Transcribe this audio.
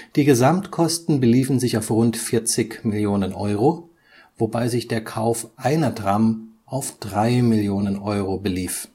Die Gesamtkosten beliefen sich auf rund 40 Millionen Euro, wobei sich der Kauf einer Tram auf 3 Millionen Euro belief